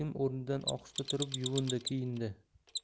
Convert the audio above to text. o'rnidan ohista turib yuvindi kiyindi